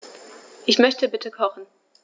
Ich möchte bitte kochen.